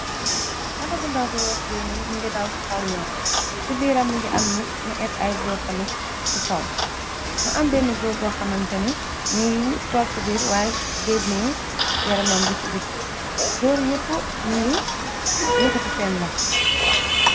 Ooto bu ndaw bu weex biine mingi daaw ci kaw yoon, ci biir am mi ngi am nit, mu ebb ay góor tamit ci kaw, mu am benne góor bo xamantene mëgi toog ci biir, waayé gédné yaramam bi ci biti, góor yépp ñi ngi yëkkti seen loxo.